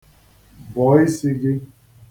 Bọọ isi gị!